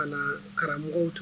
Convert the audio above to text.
Ka na karamɔgɔw tun